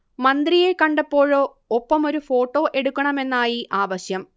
മന്ത്രിയെ കണ്ടപ്പോഴോ ഒപ്പമൊരു ഫോട്ടോ എടുക്കണമെന്നായി ആവശ്യം